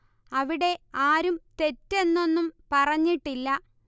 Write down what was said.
അവിടെ ആരും തെറ്റ് എന്നൊന്നും പറഞ്ഞിട്ടില്ല